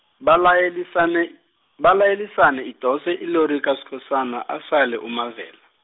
balayelisane, balayelisane, idose ilori kaSkhosana, asale uMavela.